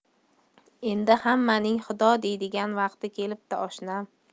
endi hammaning xudo deydigan vaqti kelibdi oshnam